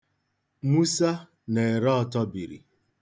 Musa na-ere ọtọbiri.